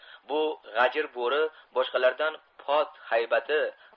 bu g'ajir bo'ri boshqalardan pot haybati